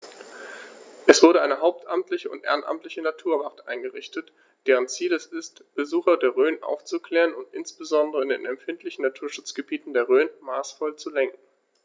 Es wurde eine hauptamtliche und ehrenamtliche Naturwacht eingerichtet, deren Ziel es ist, Besucher der Rhön aufzuklären und insbesondere in den empfindlichen Naturschutzgebieten der Rhön maßvoll zu lenken.